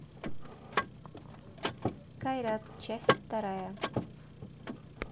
кайрат часть вторая